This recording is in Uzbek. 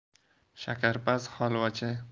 shakarpaz holvachi